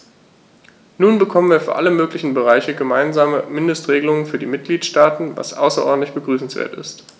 Nun bekommen wir für alle möglichen Bereiche gemeinsame Mindestregelungen für die Mitgliedstaaten, was außerordentlich begrüßenswert ist.